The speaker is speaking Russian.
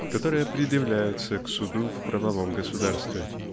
которые предъявляются к суду в правовом государстве.